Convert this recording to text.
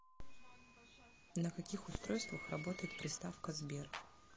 на каких устройствах работает приставка сбер